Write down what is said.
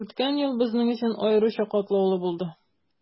Үткән ел безнең өчен аеруча катлаулы булды.